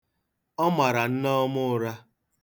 Ọ mara Nneọma ụra.